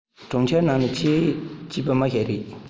གྲོང ཁྱེར ནང ནས ཆེར སྐྱེས པའི མི ཞིག རེད